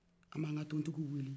an b'an ka tontigiw wele